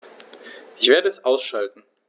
Ich werde es ausschalten